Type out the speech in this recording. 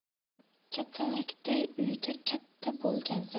katalakday uyda katta bo'lgansan